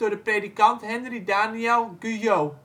de predikant Henri Daniel Guyot